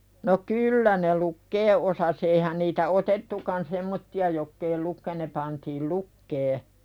no kyllä ne lukea osasi eihän niitä otettukaan semmoisia jotka ei - ne pantiin lukemaan